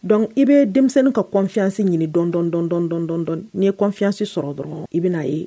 Dɔnc i bee denmisɛnnin ka confiance ɲini dɔn dɔn dɔn dɔn dɔn dɔn dɔnni n'i ye confiance sɔrɔ dɔrɔn i bɛna n'a ye